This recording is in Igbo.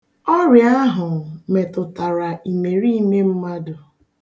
Ọrịa ahụ metụtara imeriime mmadụ.